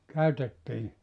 käytettiin